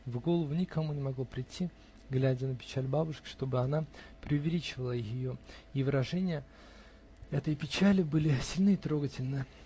В голову никому не могло прийти, глядя на печаль бабушки, чтобы она преувеличивала ее, и выражения этой печали были сильны и трогательны